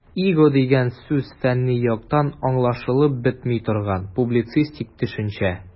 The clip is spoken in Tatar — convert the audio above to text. "иго" дигән сүз фәнни яктан аңлашылып бетми торган, публицистик төшенчә.